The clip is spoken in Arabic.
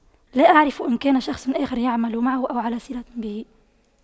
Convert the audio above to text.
لا أعرف إن كان شخص آخر يعمل معه أو على صلة به